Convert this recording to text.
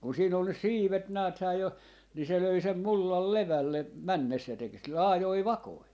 kun siinä oli nyt siivet näethän jo niin se löi sen mullan levälle mennessä ja teki - laajoja vakoja